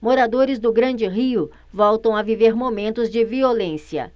moradores do grande rio voltam a viver momentos de violência